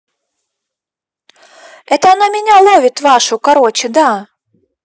это она меня ловит вашу короче да